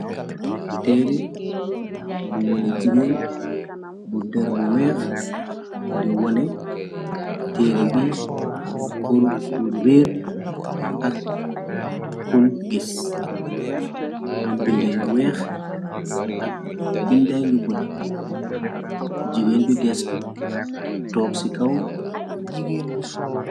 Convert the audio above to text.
Teere bu wone jigeen bu ter bu weex di wone téere bi porku reer ak kon gis am binday weex ak binda yu bula jigéen bi gestu toog ci kaw.